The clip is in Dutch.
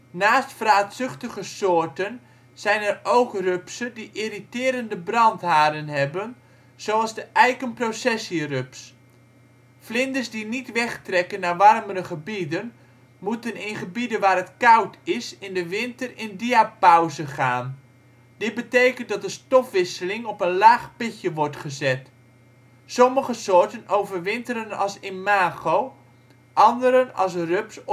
Naast vraatzuchtige soorten zijn er ook rupsen die irriterende brandharen hebben, zoals de eikenprocessierups. Vlinders die niet wegtrekken naar warmere gebieden moeten in gebieden waar het koud is in de winter in diapauze gaan. Dit betekent dat de stofwisseling op een laag pitje wordt gezet. Sommige soorten overwinteren als imago, andere als rups